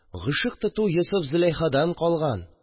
«гыйшык тоту йосыф, зөләйхадан калган